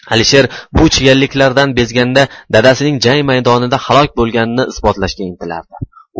alisher bu chigalliklardan bezganda dadasining jang maydonida halok bo'lganini isbotlashga intilardi